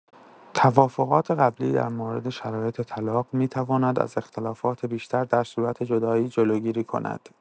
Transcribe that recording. توافقات قبلی در مورد شرایط طلاق، می‌تواند از اختلافات بیشتر در صورت جدایی جلوگیری کند.